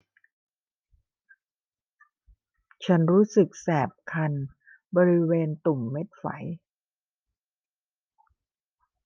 ฉันรู้สึกแสบคันบริเวณตุ่มเม็ดไฝ